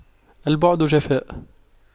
البعد جفاء